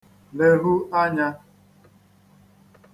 lehu ānyā